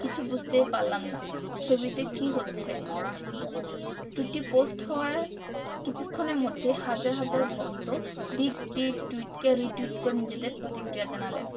কিছু বুঝতেই পারলাম না ছবিতে কী হচ্ছে টুইটটি পোস্ট হওয়ার কিছুক্ষণের মধ্যেই হাজার হাজার ভক্ত বিগ বির টুইটকে রিটুইট করে নিজেদের প্রতিক্রিয়া জানালেন